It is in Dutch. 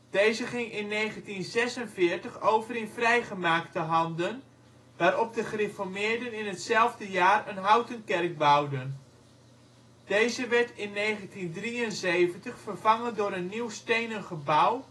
Deze ging in 1946 over in vrijgemaakte handen, waarop de gereformeerden in hetzelfde jaar een houten kerk bouwden. Deze werd in 1973 vervangen door een nieuw stenen gebouw